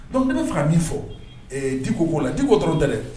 Donc ne be fɛ ka min fɔ ee Diko ko la ,.Diko dɔrɔn tɛ dɛ